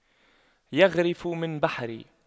يَغْرِفُ من بحر